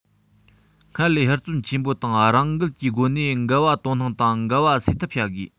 སྔར ལས ཧུར བརྩོན ཆེན པོ དང རང འགུལ གྱི སྒོ ནས འགལ བར དོ སྣང དང འགལ བ སེལ ཐབས བྱ དགོས